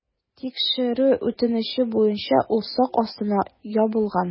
Тикшерү үтенече буенча ул сак астына ябылган.